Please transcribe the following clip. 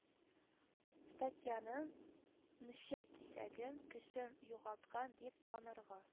Статьяның 3нче кисәген көчен югалткан дип танырга;